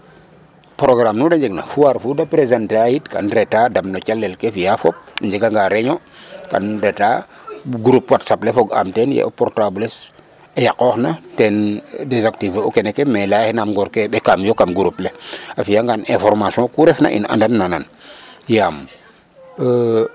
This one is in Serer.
progamme nu de njeg na foire fu de présenter ayit kan reta dan no calel ke fiya fop a njega nga reunion kan reta groupe Whatsapp le fog am teen ye o portable es a yaqoox na ten desactiver um kene ke mais leyaxeinam ngoor ke ye ɓeakaam yo kam groupe le a fiya ngan information ku ref na im anan nanan yaam